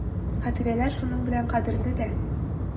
Хатирәләр шуның белән кадерле дә.